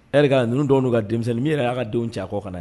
Er ka ninnu dɔw n'u ka denmisɛnnin min' yɛrɛ y'a ka denw cɛ kɔ kɔnɔ na